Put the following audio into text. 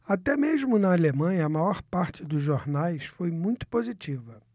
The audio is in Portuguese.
até mesmo na alemanha a maior parte dos jornais foi muito positiva